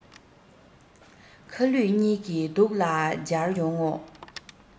ཁ ལུས གཉིས ཀྱིས སྡུག ལ སྦྱར ཡོང ངོ